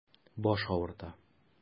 Баш авырта.